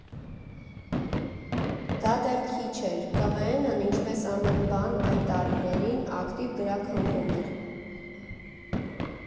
Դա դեռ քիչ էր՝ ԿՎՆ֊ն, ինչպես ամեն բան այդ տարիներին, ակտիվ գրաքննվում էր։